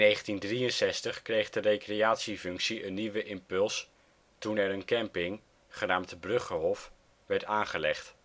1963 kreeg de recreatiefunctie een nieuwe impuls toen er een camping, genaamd Bruggehof, werd aangelegd